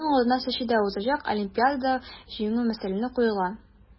Аның алдына Сочида узачак Олимпиадада җиңү мәсьәләсе куелган.